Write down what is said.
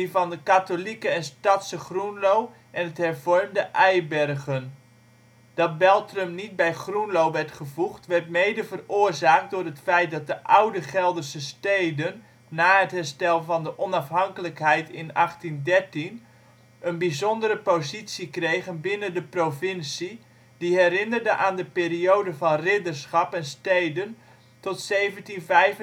van het katholieke en stadse Groenlo en het hervormde Eibergen. Dat Beltrum niet bij Groenlo werd gevoegd werd mede veroorzaakt door het feit dat de oude Gelderse steden na het herstel van de onafhankelijkheid in 1813 een bijzondere positie kregen binnen de provincie die herinnerde aan de periode van ridderschap en steden tot 1795